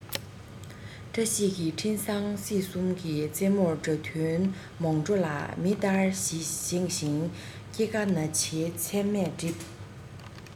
བཀྲ ཤིས ཀྱི འཕྲིན བཟང སྲིད གསུམ གྱི རྩེ མོར སྒྲ ཐུན མོང འགྲོ ལ མི ལྟར བཞེངས ཤིང སྐྱེ རྒ ན འཆིའི མཚན མས བསྒྲིབས